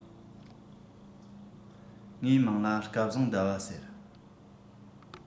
ངའི མིང ལ སྐལ བཟང ཟླ བ ཟེར